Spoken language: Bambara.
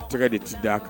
A tɛgɛ de tɛ d'a kan